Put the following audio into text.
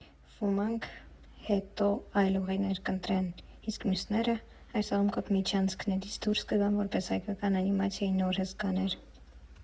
Ոմանք հետո այլ ուղիներ կընտրեն, իսկ մյուսները, այս աղմկոտ միջանցքներից դուրս կգան որպես հայկական անիմացիայի նոր հսկաներ։